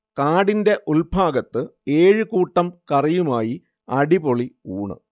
കാടിന്റ ഉൾഭാഗത്ത് ഏഴുകൂട്ടം കറിയുമായി അടിപൊളി ഊണ്